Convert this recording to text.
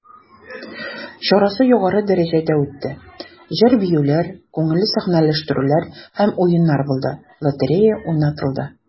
Чарасы югары дәрәҗәдә үтте, җыр-биюләр, күңелле сәхнәләштерүләр һәм уеннар булды, лотерея уйнатылды.